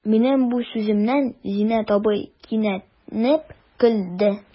Минем бу сүземнән Зиннәт абзый кинәнеп көлде.